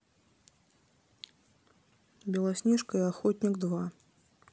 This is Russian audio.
белоснежка и охотник два